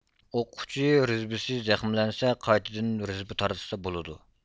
ئوق ئۇچى رېزبسى زەخىملەنسە قايتىدىن رېزبا تارتسا بولىدۇ